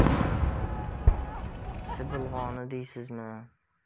shibilg'oni deysizmi